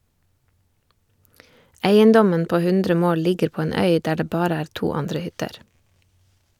Eiendommen på 100 mål ligger på en øy, der det bare er to andre hytter.